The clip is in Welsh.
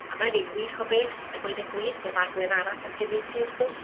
A ma' hynny'n wych o beth, a gweud y gwir, sef agwedd arall ar gyfieithu wrth gwrs.